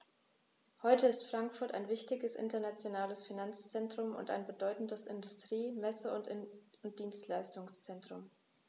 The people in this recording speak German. Heute ist Frankfurt ein wichtiges, internationales Finanzzentrum und ein bedeutendes Industrie-, Messe- und Dienstleistungszentrum.